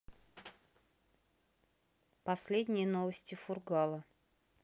последние новости фургала